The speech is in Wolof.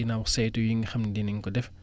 dina am saytu yi nga xam ne dinañ ko def